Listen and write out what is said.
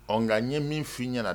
Ɔ nka ɲɛ min f'i ɲɛna